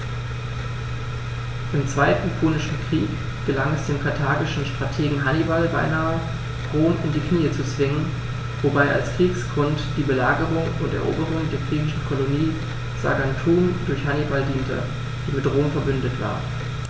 Im Zweiten Punischen Krieg gelang es dem karthagischen Strategen Hannibal beinahe, Rom in die Knie zu zwingen, wobei als Kriegsgrund die Belagerung und Eroberung der griechischen Kolonie Saguntum durch Hannibal diente, die mit Rom „verbündet“ war.